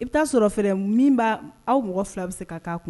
I be taa sɔrɔ fɛnɛ min b'a aw mɔgɔ 2 be se ka k'a kun